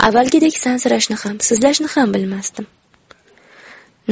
avvalgidek sansirashni ham sizlashni ham bilmasdim